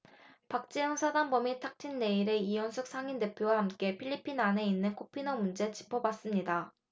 박재홍 사단법인 탁틴내일의 이현숙 상임대표와 함께 필리핀 안에 있는 코피노 문제 짚어봤습니다